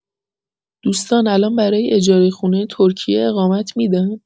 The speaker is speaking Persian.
دوستان الان برای اجاره خونه ترکیه اقامت می‌دن؟